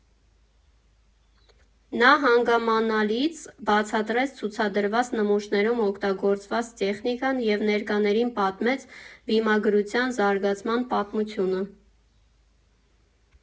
Նա հանգամանալից բացատրեց ցուցադրված նմուշներում օգտագործված տեխնիկան և ներկաներին պատմեց վիմագրության զարգացման պատմությունը։